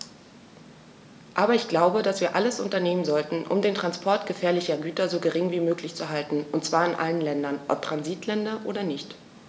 Aber ich glaube, dass wir alles unternehmen sollten, um den Transport gefährlicher Güter so gering wie möglich zu halten, und zwar in allen Ländern, ob Transitländer oder nicht.